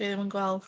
Fi ddim yn gweld...